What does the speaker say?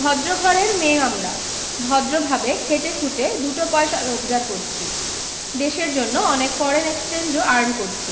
ভদ্রঘরের মেয়ে আমরা ভদ্রভাবে খেটেখুটে দুটো পয়সা রোজগার করছি দেশের জন্য অনেক ফরেন এক্সচেঞ্জও আরণ করছি